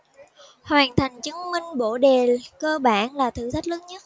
hoàn thành chứng minh bổ đề cơ bản là thử thách lớn nhất